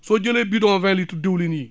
soo jëlee bidon vingt litre diwlin yii